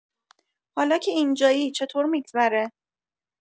حالا که اینجایی چطور می‌گذره؟